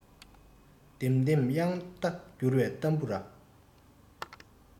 ལྡེམ ལྡེམ དབྱངས རྟ འགྱུར བའི ཏམ བུ ར